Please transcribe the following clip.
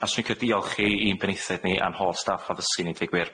'swn i'n licio diolch i i'n Penaethiaid ni a'n holl staff addysgu ni deud gwir.